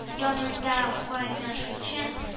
Янында кайнашучы